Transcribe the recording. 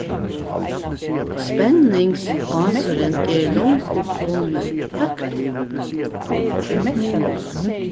spenningsásurin er longu komin høgt upp